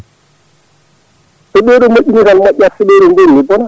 so ɓeeɗo moƴƴini tan moƴƴat so ɓeeɗo bonni boona